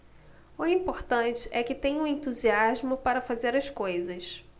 o importante é que tenho entusiasmo para fazer as coisas